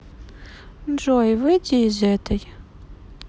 джой выйти из этой